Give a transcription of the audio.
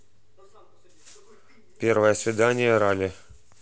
первое свидание ралли